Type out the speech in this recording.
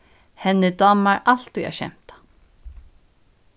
henni dámar altíð at skemta